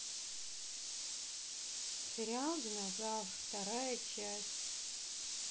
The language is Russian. сериал динозавр вторая часть